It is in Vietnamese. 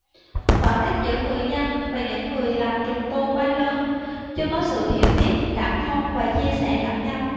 khoảng cách giữa người dân và những người làm trùng tu quá lớn chưa có sự hiểu biết cảm thông và chia sẻ lẫn nhau